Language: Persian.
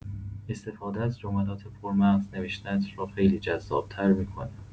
استفاده از جملات پرمغز نوشته‌ت رو خیلی جذاب‌تر می‌کنه.